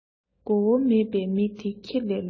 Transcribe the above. གོ བ མེད པའི མི དེ ཁྱི ལས ལོད